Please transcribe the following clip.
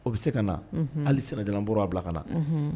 O bɛ se ka na hali sina j bɔra a bila ka na